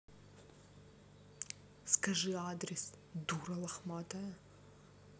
скажи адрес дура лохматая